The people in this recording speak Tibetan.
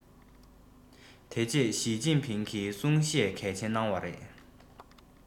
དེ རྗེས ཞིས ཅིན ཕིང གིས གསུང བཤད གལ ཆེན གནང བ རེད